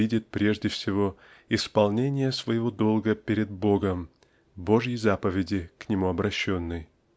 видит прежде всего исполнение своего долга пред Богом божьей заповеди к нему обращенной.